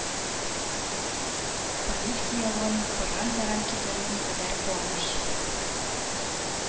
Палитский явын пыран-заран китерү никадәр куаныч